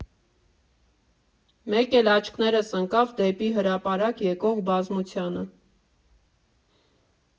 Մեկ էլ աչքներս ընկավ դեպի հրապարակ եկող բազմությանը.